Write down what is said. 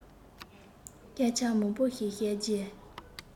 སྐད ཆ མང པོ ཞིག བཤད རྗེས